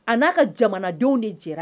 A n'a ka jamanadenw de jɛra